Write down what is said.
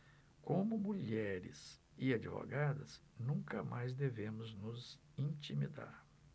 como mulheres e advogadas nunca mais devemos nos intimidar